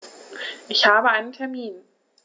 Ich habe einen Termin.